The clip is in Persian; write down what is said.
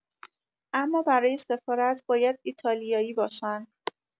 اما برای سفارت باید ایتالیایی باشن.